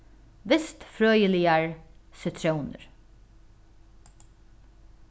vistfrøðiligar sitrónir